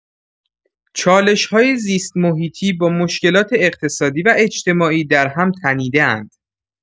چالش‌های زیست‌محیطی با مشکلات اقتصادی و اجتماعی در هم تنیده‌اند.